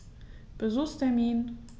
Besuchstermin